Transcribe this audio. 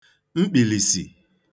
mkpìlìsì